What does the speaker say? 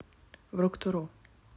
у руктуру